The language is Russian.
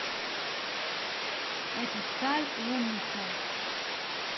эти сталь умница